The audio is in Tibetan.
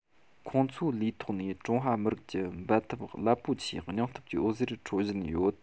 ཁོང ཚོའི ལུས ཐོག ནས ཀྲུང ཧྭ མི རིགས ཀྱི འབད འཐབ རླབས པོ ཆེའི སྙིང སྟོབས ཀྱི འོད ཟེར འཕྲོ བཞིན ཡོད